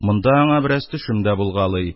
Монда аңа бераз төшем дә булгалый.